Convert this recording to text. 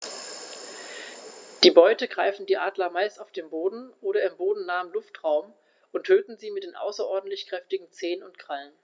Die Beute greifen die Adler meist auf dem Boden oder im bodennahen Luftraum und töten sie mit den außerordentlich kräftigen Zehen und Krallen.